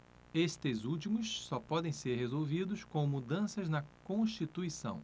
estes últimos só podem ser resolvidos com mudanças na constituição